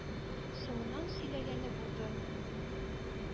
Соңыннан сөйләгәне булды: